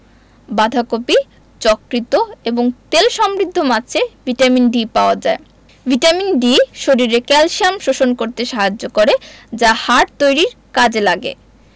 বাঁধাকপি যকৃৎ এবং তেল সমৃদ্ধ মাছে ভিটামিন D পাওয়া যায় ভিটামিন D শরীরে ক্যালসিয়াম শোষণ করতে সাহায্য করে যা হাড় তৈরীর কাজে লাগে